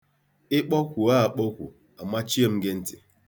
Ị kpọkwuo akpọkwu, amachie m gị ntị.